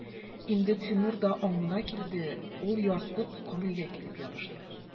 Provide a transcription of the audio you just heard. Инде Тимур да аңына килде, ул, ярсып, Камилгә килеп ябышты.